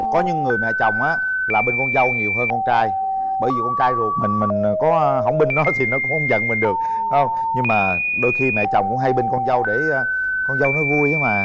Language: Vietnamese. có những người mẹ chòng á là bưn con dâu nhiều hơn con trai bởi dì con trai rụt mừn mừn có hỏng bưn nó thì nó cũng hông giận mừn được ớ hông nhưng mà đôi khi mẹ chồng cũng hay bưn con dâu để con dâu nó vui đó mà